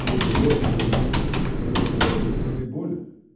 — Ты бы лег, Леонтий, — заметил Райский, — ты болен.